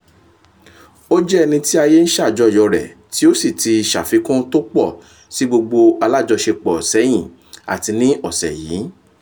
Ó jẹ́ ẹni tí ayé ń ṣàjọyọ̀ rẹ̀ tí ó sì ti ṣàfikún tó pọ̀ sí gbogbo alájọsẹpọ̀ ṣẹ́yìn, àti ní ọ̀ṣẹ̀ yìí.